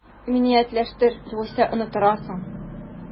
Иминиятләштер, югыйсә оттырасың